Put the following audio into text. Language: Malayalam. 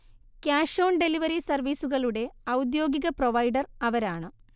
ക്യാഷ് ഓൺ ഡെലിവറി സർവ്വീസുകളുടെ ഔദ്യോഗിക പ്രൊവൈഡർ അവരാണ്